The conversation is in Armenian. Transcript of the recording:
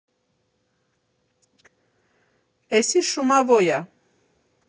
֊ Էսի շումավոյ ա։